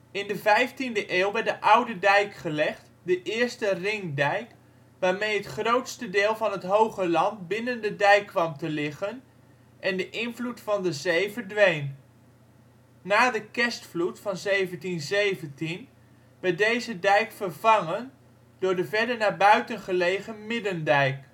In de 15e eeuw werd de Oude Dijk gelegd, de eerste ringdijk, waarmee het grootste deel van het Hogeland binnen de dijk kwam te liggen en de invloed van de zee verdween. Na de Kerstvloed van 1717 werd deze dijk vervangen door de verder naar buiten gelegen Middendijk